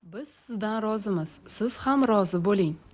biz sizdan rozimiz siz ham rozi bo'ling